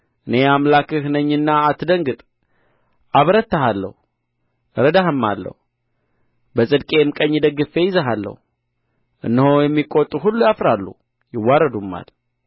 እኔ አምላክህ ነኝና አትደንግጥ አበረታሃለሁ እረዳህማለሁ በጽድቄም ቀኝ ደግፌ እይዝሃለሁ እነሆ የሚቆጡህ ሁሉ ያፍራሉ ይዋረዱማል